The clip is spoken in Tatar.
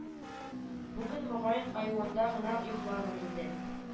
Бүген, мөгаен, айванда гына йоклармын инде